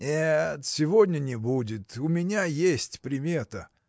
– Нет, сегодня не будет: у меня есть примета!